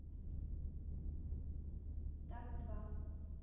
так два